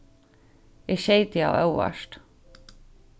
eg skeyt teg av óvart